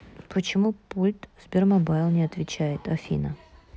почему пульт сбермобайл не отвечает афина